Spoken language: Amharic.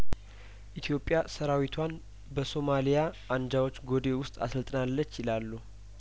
ኢትዮጵያ ሰራዊቷን በሶማሊያ አንጃዎች ጐዴ ውስጥ አሰልጥናለች ይላሉ